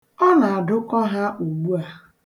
Ọ na-adụkọ ha ugbu a.